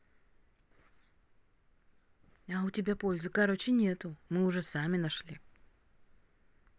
а у тебя пользы короче нету мы уже сами нашли